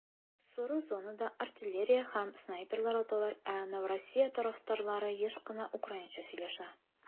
Соры зонада артиллерия һәм снайперлар аталар, ә Новороссия тарафтарлары еш кына украинча сөйләшә.